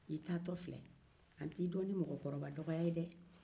i taato filɛ an t'i dɔn ni mɔgɔkɔrɔbadɔgɔya ye dɛ